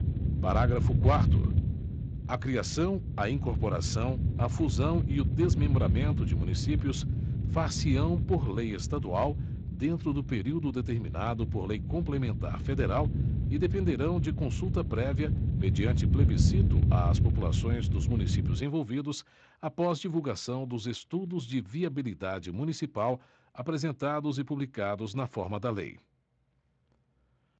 parágrafo quarto a criação a incorporação a fusão e o desmembramento de municípios far se ão por lei estadual dentro do período determinado por lei complementar federal e dependerão de consulta prévia mediante plebiscito às populações dos municípios envolvidos após divulgação dos estudos de viabilidade municipal apresentados e publicados na forma da lei